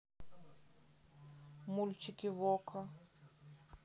мультики в окко